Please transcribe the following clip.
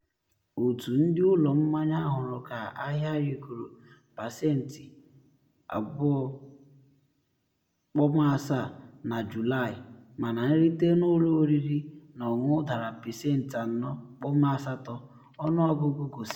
Otu ndị ụlọ mmanya hụrụ ka ahịa rịgoro pasentị 2.7 na Julaị - mana nrite n’ụlọ oriri na ọṅụṅụ dara pasentị 4.8, ọnụọgụ gosiri.